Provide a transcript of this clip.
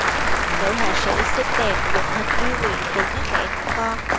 nữ họa sĩ xinh đẹp dựng hình điêu luyện từ nét vẽ của con